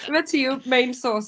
Ife ti yw'r main source.